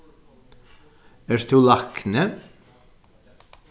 ert tú lækni